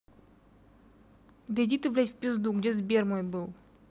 да иди ты блядь в пизду где сбер мой был